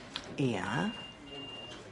Ia.